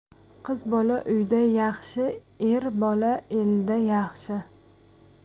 qiz bola uyda yaxshi er bola elda yaxshi